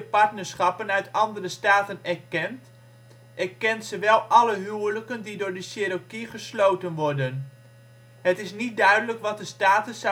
partnerschappen uit andere staten erkent, erkent ze wel alle huwelijken die door de Cherokee gesloten worden. Het is niet duidelijk wat de status